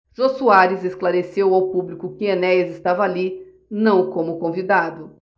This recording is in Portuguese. jô soares esclareceu ao público que enéas estava ali não como convidado